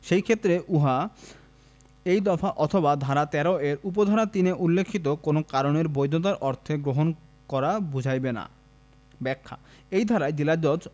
সেইক্ষেত্রে উহা এই দফা অথবা ধারা ১৩ এর উপ ধারা ৩ এ উল্লেখিত কোন কারণের বৈধতার অর্থে গ্রহণ করা বুঝাইবে না ব্যাখ্যা এই ধারায় জেলাজজ